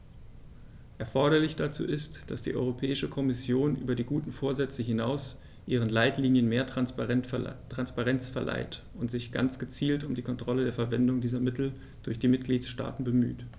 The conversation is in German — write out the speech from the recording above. Erforderlich dazu ist, dass die Europäische Kommission über die guten Vorsätze hinaus ihren Leitlinien mehr Transparenz verleiht und sich ganz gezielt um die Kontrolle der Verwendung dieser Mittel durch die Mitgliedstaaten bemüht.